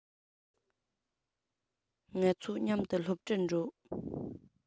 ང ཚོ མཉམ དུ སློབ གྲྭར འགྲོ